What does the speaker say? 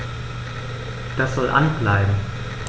Das soll an bleiben.